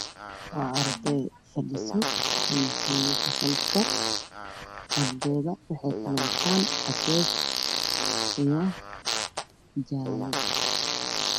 Waa arday fadhisa fasalka ardayda waxey kalawatan cades io jale